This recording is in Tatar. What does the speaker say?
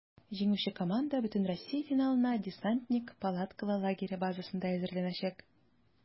Җиңүче команда бөтенроссия финалына "Десантник" палаткалы лагере базасында әзерләнәчәк.